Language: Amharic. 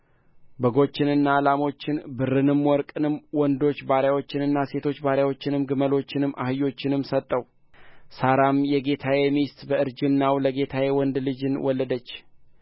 በጎችንና ላሞችን ብርንም ወርቅንም ወንዶች ባሪያዎችንና ሴቶች ባሪያዎችን ግመሎችንም አህዮችንም ሰጠው ሣራም የጌታዬ ሚስት በእርጅናው ለጌታዬ ወንድ ልጅን ወለደች